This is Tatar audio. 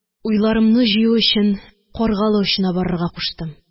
Уйларымны жыю өчен, Каргалы очына барырга куштым.